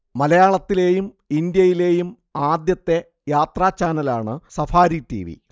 മലയാളത്തിലെയും ഇന്ത്യയിലെയും ആദ്യത്തെ യാത്രാചാനലാണ് സഫാരി ടിവി